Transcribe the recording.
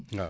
waaw